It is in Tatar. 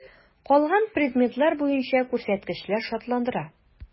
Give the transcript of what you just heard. Калган предметлар буенча күрсәткечләр шатландыра.